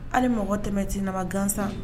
Hali mɔgɔ tɛmɛ sen na ma gansan.